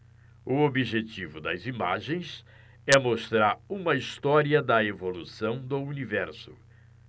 o objetivo das imagens é mostrar uma história da evolução do universo